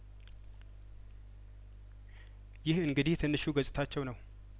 ይህ እንግዲህ ትንሹ ገጽታቸው ነው